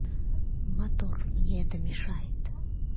motor мне это мешает